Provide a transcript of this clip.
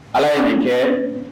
Allah ye nin kɛ